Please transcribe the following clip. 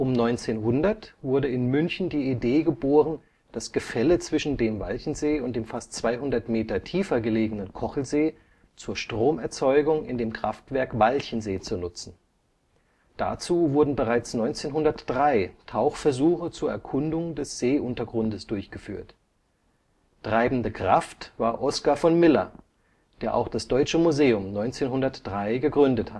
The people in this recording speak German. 1900 wurde in München die Idee geboren, das Gefälle zwischen dem Walchensee und dem fast 200 Meter tiefer gelegenen Kochelsee zur Stromerzeugung in dem Kraftwerk Walchensee zu nutzen. Dazu wurden bereits 1903 Tauchversuche zur Erkundung des Seeuntergrundes durchgeführt. Treibende Kraft war Oskar von Miller, der auch das Deutsche Museum 1903 gegründet